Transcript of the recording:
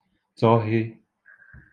tọ̄hē